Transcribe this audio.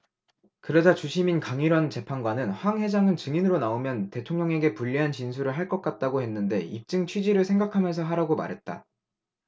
그러자 주심인 강일원 재판관은 황 회장은 증인으로 나오면 대통령에게 불리한 진술을 할 것 같다고 했는데 입증 취지를 생각하면서 하라고 말했다